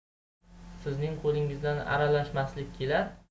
sizning qo'lingizdan aralashmaslik kelar